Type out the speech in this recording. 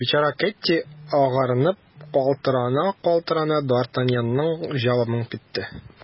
Бичара Кэтти, агарынып, калтырана-калтырана, д’Артаньянның җавабын көтте.